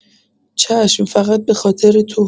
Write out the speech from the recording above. چشم فقط بخاطر ت